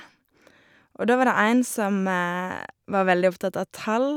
Og da var det en som var veldig opptatt av tall.